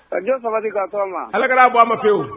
A sabati k'a tɔn ma ala kɛra' a ma pewu